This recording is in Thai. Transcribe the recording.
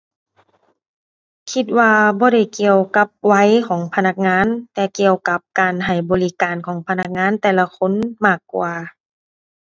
คิดว่าบ่ได้เกี่ยวกับวัยของพนักงานแต่เกี่ยวกับการให้บริการของพนักงานแต่ละคนมากกว่า